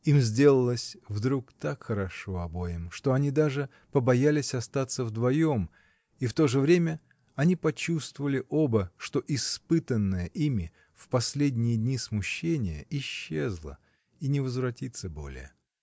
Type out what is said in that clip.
Им сделалось вдруг так хорошо обоим, что они даже побоялись остаться вдвоем, -- и в то же время они почувствовали оба, что испытанное ими в последние дни смущение исчезло и не возвратится более.